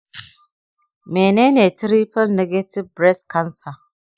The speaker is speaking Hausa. menene triple-negative breast cancer?